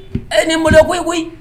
Ee nin ye maloya ko ye koyi!